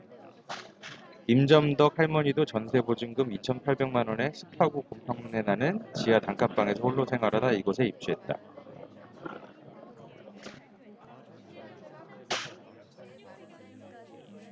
임점덕 할머니도 전세 보증금 이천 팔백 만원의 습하고 곰팡내 나는 지하 단칸방에서 홀로 생활하다 이곳에 입주했다